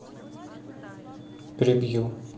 прибью